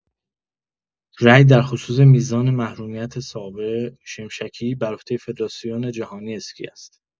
رای در خصوص میزان محرومیت ساوه شمشکی بر عهده فدراسیون جهانی اسکی است.